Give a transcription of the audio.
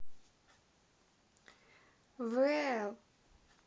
well